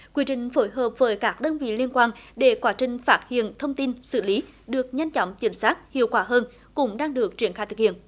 quy trình phối hợp với các đơn vị liên quan để quá trình phát hiện thông tin xử lý được nhanh chóng chính xác hiệu quả hơn cũng đang được triển khai thực hiện